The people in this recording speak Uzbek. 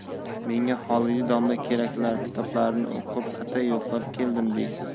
menga xolidiy domla keraklar kitoblarini o'qib atay yo'qlab keldim deysiz